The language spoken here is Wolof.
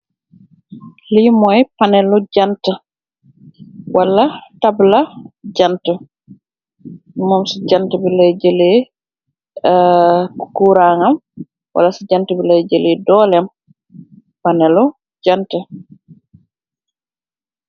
Lii mooy panelu Jentë, mom ci jentë bi laay jëlee kuraangam walla si jentë bi laay jëlee doolem. Panellu jentë.